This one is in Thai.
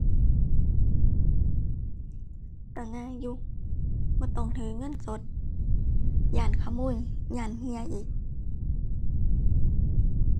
ก็ง่ายอยู่ บ่ต้องถือเงินสด ย้านขโมย ย้านเหี่ยอีก